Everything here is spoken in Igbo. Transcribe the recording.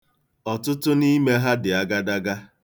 Ọtụtụ n'ime ha dị agadaga.